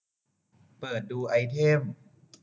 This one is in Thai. เปิดดูไอเท็ม